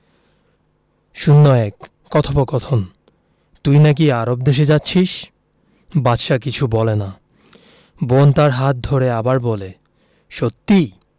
০১ কথোপকথন তুই নাকি আরব দেশে যাচ্ছিস বাদশা কিছু বলে না বোন তার হাত ধরে আবার বলে সত্যি